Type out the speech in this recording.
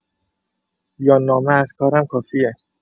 یا نامه از کارم کافیه؟